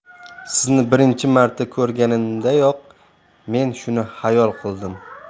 sizni birinchi marta ko'rgandayoq men shuni xayol qildim